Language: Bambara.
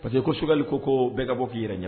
Pa que ko sokali ko ko bɛɛ ka bɔ k'i yɛrɛ ɲɛ